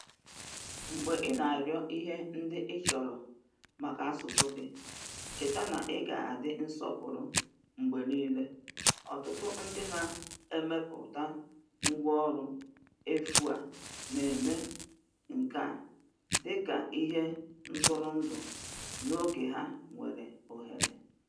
Mgbe ị na-arịọ ihe ndị ị chọrọ maka asụsụ gị, cheta na ị ga-adị nsọpụrụ mgbe niile —ọtụtụ ndị na-emepụta ngwanro efu a na-eme nke a dịka ihe ntụrụndụ n'oge ha nwere ohere.